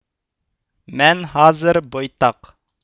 مەن ھازىر بويتاق